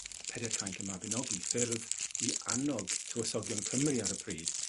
Peder Cainc y Mabinogi. Ffyrdd i annog tywysogion Cymru ar y pryd